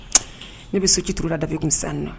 Ne bɛ so citura la dabi kunsan na